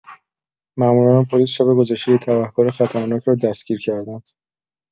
مأموران پلیس شب گذشته یک تبهکار خطرناک را دستگیر کردند.